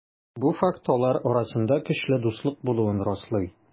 Бу факт алар арасында көчле дуслык булуын раслый.